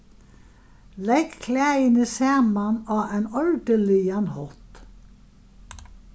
legg klæðini saman á ein ordiligan hátt